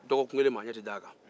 dɔgɔkun kelen mɔgɔ ɲɛ tɛ da a kan